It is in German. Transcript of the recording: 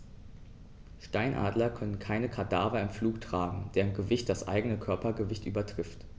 Steinadler können keine Kadaver im Flug tragen, deren Gewicht das eigene Körpergewicht übertrifft.